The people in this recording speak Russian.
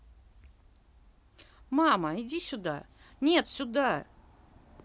мама иди сюда нет сюда